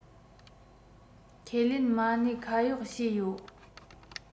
ཁས ལེན མ ཉེས ཁ གཡོག བྱས ཡོད